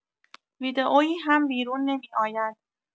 ویدئویی هم بیرون نمی‌آید.